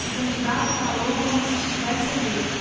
o candidato falou como se estivesse eleito